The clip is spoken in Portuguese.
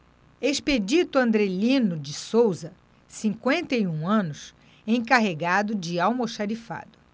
expedito andrelino de souza cinquenta e um anos encarregado de almoxarifado